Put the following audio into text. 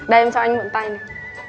đây em cho anh mượn tay này